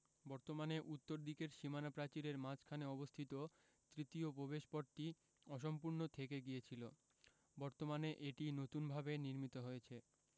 বর্তমানে উত্তর দিকের সীমানা প্রাচীরের মাঝখানে অবস্থিত তৃতীয় প্রবেশপথটি অসম্পূর্ণ থেকে গিয়েছিল বর্তমানে এটি নতুনভাবে নির্মিত হয়েছে